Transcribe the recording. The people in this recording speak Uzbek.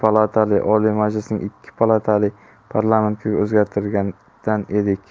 palatali oliy majlisimizni ikki palatali parlamentga o'zgartirgan edik